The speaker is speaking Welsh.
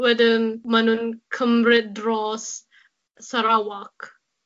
Wedyn ma' nw'n cymryd dros Sarawak,